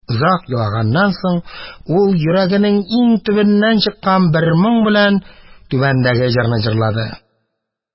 Озак елаганнан соң, ул йөрәгенең иң төбеннән чыккан бер моң белән түбәндәге җырны җырлады: